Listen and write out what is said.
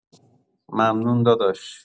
ممنون داداش